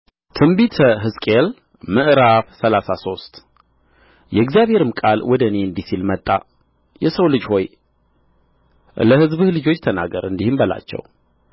በትንቢተ ሕዝቅኤል ምዕራፍ ሰላሳ ሶስት የእግዚአብሔርም ቃል ወደ እኔ እንዲህ ሲል መጣ የሰው ልጅ ሆይ ለሕዝብህ ልጆች ተናገር እንዲህም በላቸው